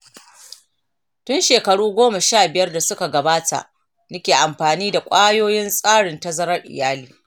tun shekaru goma sha biyar da su ka gabata nike amfanin da ƙwayoyin tsarin tazarar iyali